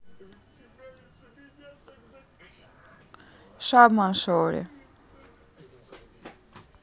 shabnam surayo